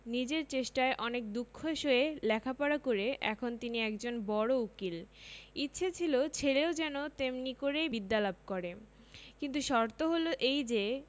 নিজের চেষ্টায় অনেক দুঃখ সয়ে লেখাপড়া করে এখন তিনি একজন বড় উকিল ইচ্ছে ছিল ছেলেও যেন তেমনি করেই বিদ্যা লাভ করে কিন্তু শর্ত হলো এই যে